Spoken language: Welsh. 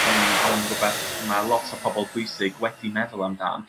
ma' nw'n ma' nw'n rwbath ma' lot o pobol pwysig wedi meddwl amdan.